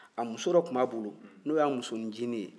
a muso dɔ tun b'a bolo n'o y'a musonin ncinin ye